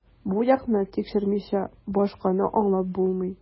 Бу якны тикшермичә, башканы аңлап булмый.